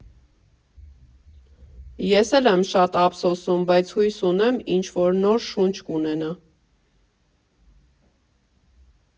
Ես էլ եմ շատ ափսոսում, բայց հույս ունեմ՝ ինչ֊որ նոր շունչ կունենա։